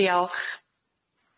Diolch.